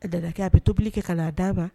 A daki a bɛ tobili kɛ kaa d a ma